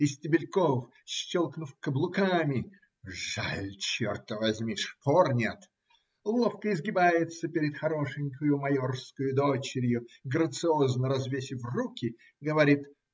И Стебельков, щелкнув каблуками ("жаль, черт возьми, шпор нет!"), ловко изгибается пред хорошенькою майорскою дочерью, грациозно развесив руки, говорит